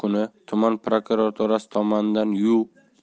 kuni tuman prokuraturasi tomonidan yu